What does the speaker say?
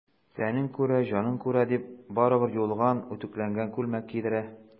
Тәнең күрә, җаның күрә,— дип, барыбер юылган, үтүкләнгән күлмәк кидерә.